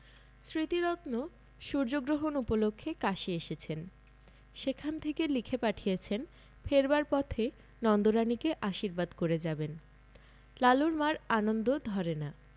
স্মৃতিরত্ন সূর্যগ্রহণ উপলক্ষে কাশী এসেছেন সেখান থেকে লিখে পাঠিয়েছেন ফেরবার পথে নন্দরানীকে আশীর্বাদ করে যাবেন লালুর মা'র আনন্দ ধরে না